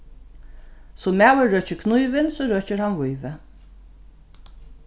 sum maður røkir knívin so røkir hann vívið